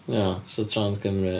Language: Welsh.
Ia so Trans-Cymru ia.